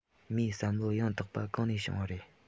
མིའི བསམ བློ ཡང དག པ གང ནས བྱུང བ རེད